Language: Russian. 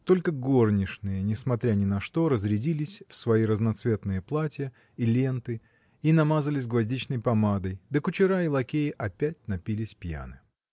Только горничные, несмотря ни на что, разрядились в свои разноцветные платья и ленты и намазались гвоздичной помадой, да кучера и лакеи опять напились пьяны.